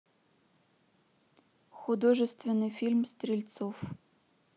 художественный фильм стрельцов